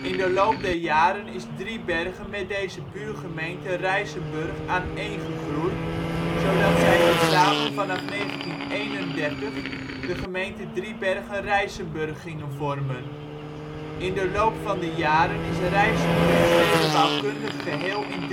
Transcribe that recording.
In de loop der jaren is Driebergen met deze buurgemeente Rijsenburg aaneengegroeid zodat zij tezamen vanaf 1931 de gemeente Driebergen-Rijsenburg gingen vormen. In de loop van de jaren is Rijsenburg stedenbouwkundig geheel in